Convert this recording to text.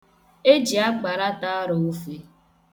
Eji akparata arọ ofe.